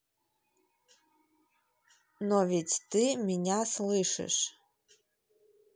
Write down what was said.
но ведь ты меня слышишь